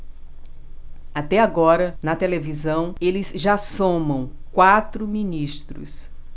até agora na televisão eles já somam quatro ministros